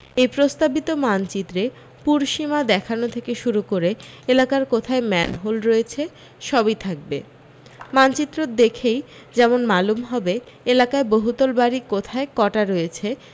এই প্রস্তাবিত মানচিত্রে পুরসীমা দেখানো থেকে শুরু করে এলাকার কোথায় ম্যানহোল রয়েছে সবি থাকবে মানচিত্র দেখেই যেমন মালুম হবে এলাকায় বহুতল বাড়ী কোথায় কটা রয়েছে